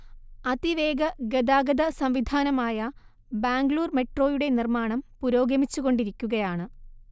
അതിവേഗ ഗതാഗത സം‌വിധാനമായ ബാംഗ്ലൂർ മെട്രോയുടെ നിർമ്മാണം പുരോഗമിച്ചു കൊണ്ടിരിക്കുകയാണ്‌